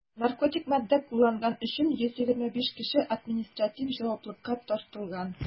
Наркотик матдә кулланган өчен 125 кеше административ җаваплылыкка тартылган.